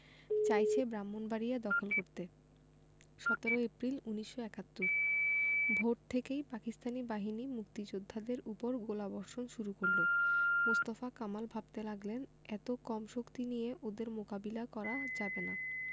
চাইছে ব্রাহ্মনবাড়িয়া দখল করতে ১৭ এপ্রিল ১৯৭১ ভোর থেকেই পাকিস্তানি বাহিনী মুক্তিযোদ্ধাদের উপর গোলাবর্ষণ শুরু করল মোস্তফা কামাল ভাবতে লাগলেন এত কম শক্তি নিয়ে ওদের মোকাবিলা করা যাবে না